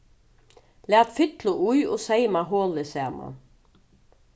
lat fyllu í og seyma holið saman